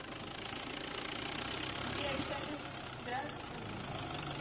сбер салют здравствуй